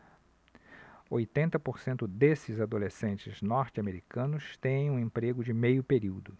oitenta por cento desses adolescentes norte-americanos têm um emprego de meio período